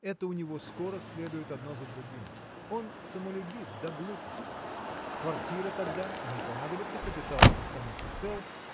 Это у него скоро следует одно за другим. Он самолюбив до глупости. Квартира тогда не понадобится капитал останется цел